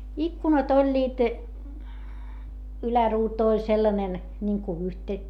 ikkunat olivat yläruutu oli sellainen niin kuin -